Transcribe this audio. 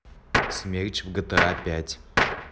смерч в гта пять